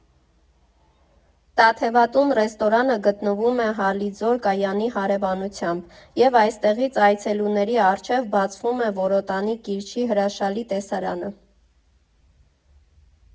«Տաթևատուն» ռեստորանը գտնվում է «Հալիձոր» կայանի հարևանությամբ, և այստեղից այցելուների առջև բացվում է Որոտանի կիրճի հրաշալի տեսարանը։